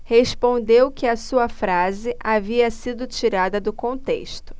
respondeu que a sua frase havia sido tirada do contexto